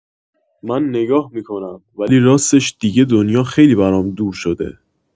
من نگاه می‌کنم، ولی راستش دیگه دنیا خیلی برام دور شده.